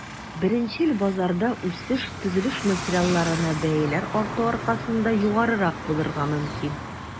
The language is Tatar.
Беренчел базарда үсеш төзелеш материалларына бәяләр арту аркасында югарырак булырга мөмкин.